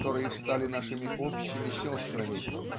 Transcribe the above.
которые стали нашими общими сестрами